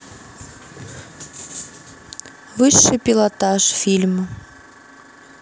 высший пилотаж фильм